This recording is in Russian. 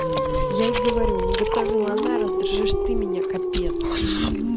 я и говорю не готовила она раздражаешь ты меня капец